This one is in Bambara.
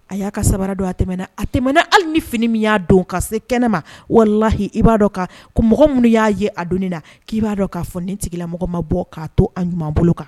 A y'a ka samara don a tɛmɛna a tɛmɛna hali ni fini min y'a dɔn ka se kɛnɛma, walahi i b'a dɔn ka ko mɔgɔ minnu y'a ye a donnin na, k'i b'a dɔn k'a fɔ nin tigi la mɔgɔ ma bɔ k' to a ɲuman bolo kan.